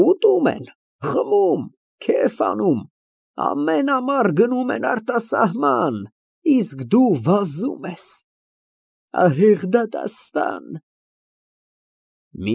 Ուտում են, խմում, քեֆ անում, ամեն ամառ գնում են արտասահման, իսկ դու վախում ես… Ահեղ դատաստան։ (Փոքրիկ պաուզա)։